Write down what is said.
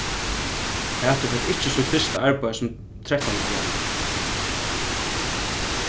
pætur fekk ikki sítt fyrsta arbeiði sum trettan ára gamal